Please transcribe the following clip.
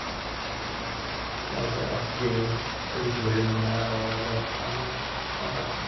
Så var det bare å skrive inn auditorienummeret og lete fram fram plassen.